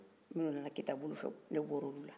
minun nana kita bolo fɛ ne bɔr'olu la